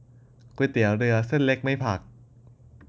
ก๋วยเตี๋ยวเรือเส้นเล็กไม่ผัก